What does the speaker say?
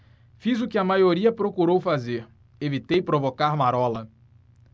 fiz o que a maioria procurou fazer evitei provocar marola